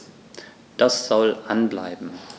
Das soll an bleiben.